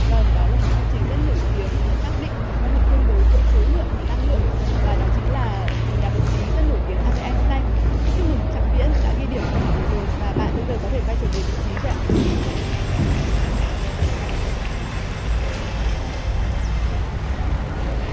vâng đó là một phương trình rất nổi tiếng ờ xác định mối quan hệ tương đối giữa khối lượng và năng lượng và đó chính là nhà vật lý rất nổi tiếng an bê anh sờ tanh chúc mừng trọng viễn đã ghi điểm ở câu hỏi vừa rồi và bạn bây giờ có thể quay trở về vị trí rồi ạ ạ